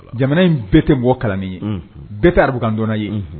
Jamana in bɛɛ tɛ bɔ kalani ye bɛɛ tɛ araribukandɔnna ye